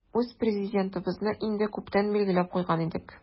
Үз Президентыбызны инде күптән билгеләп куйган идек.